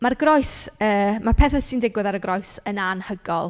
Ma'r groes... yy ma' pethe sy'n digwydd ar y groes yn anhygoel.